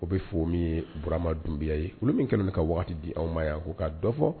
O bɛ fɔ min ye Burama Dunbiya ye olu min kɛlen ka waati di anw ma yan ko k kaa dɔ fɔ